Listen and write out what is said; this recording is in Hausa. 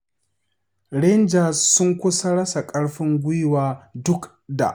Rangers sun kusan rasa ƙarfin gwiwa, duk da.